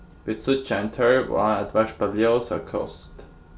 vit síggja ein tørv á at varpa ljós á kost